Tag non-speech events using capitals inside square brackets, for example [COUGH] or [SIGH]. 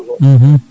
[HESITATION] [HESITATION]